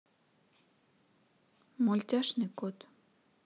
мультяшный кот